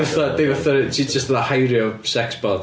Dim fatha dim fatha ti jyst fatha heirio sexbot.